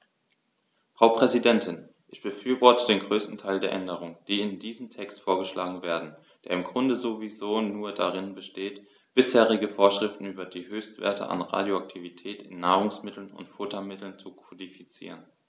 Frau Präsidentin, ich befürworte den größten Teil der Änderungen, die in diesem Text vorgeschlagen werden, der im Grunde sowieso nur darin besteht, bisherige Vorschriften über die Höchstwerte an Radioaktivität in Nahrungsmitteln und Futtermitteln zu kodifizieren.